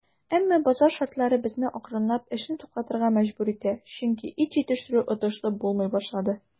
Әмма базар шартлары безне акрынлап эшне туктатырга мәҗбүр итә, чөнки ит җитештерү отышлы булмый башлады.